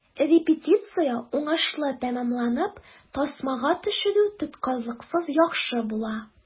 Репетиция уңышлы тәмамланып, тасмага төшерү тоткарлыксыз яхшы була.